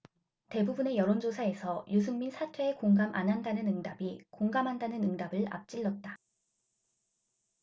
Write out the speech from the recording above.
대부분의 여론조사에서 유승민 사퇴에 공감 안 한다는 응답이 공감한다는 응답을 앞질렀다